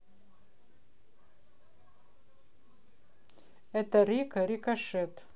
это рико рикошет